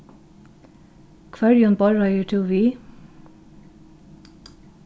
hvørjum borðreiðir tú við